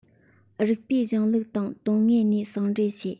རིགས པའི གཞུང ལུགས དང དོན དངོས གཉིས ཟུང འབྲེལ བྱས